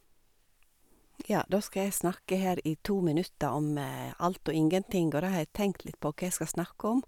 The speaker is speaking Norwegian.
Ja, da skal jeg snakke her i to minutter om alt og ingenting, og da har jeg tenkt litt på hva jeg skal snakke om.